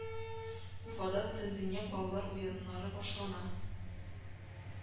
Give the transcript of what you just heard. Уфада Бөтендөнья балалар уеннары башлана